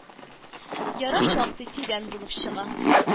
Яра шактый тирән булып чыга